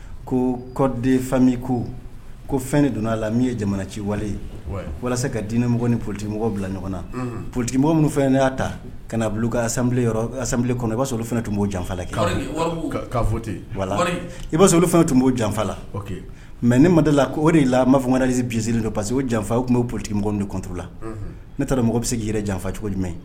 Ko kɔden fa ko ko fɛn de donna'a la min ye jamana ci wale ye walasa ka diinɛmɔgɔ ni politemɔgɔ bila ɲɔgɔn na polikimɔgɔ minnu ne y'a ta ka bila ka san kɔnɔ i ba'aolo fana tun b'o janfala fɔ ten i'aololon fanaw tun b'o janfala mɛ ne ma la ko o' la ma fangai binsiri don pa parce que janfaw tun bɛ polikimɔgɔla ne taara mɔgɔ bɛ se k'i yɛrɛ janfa cogoli jumɛn